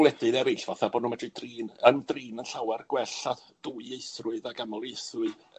gwledydd eryll, fatha bo' nw medru drin ymdrin yn llawar gwell â dwyieithrwydd ag amlieithrwydd,